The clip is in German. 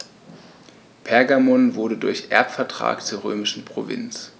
Pergamon wurde durch Erbvertrag zur römischen Provinz.